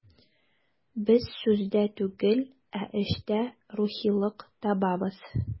Без сүздә түгел, ә эштә рухилык табабыз.